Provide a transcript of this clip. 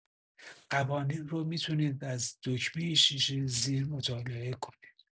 قوانین رو می‌تونید از دکمه شیشه زیر مطالعه کنید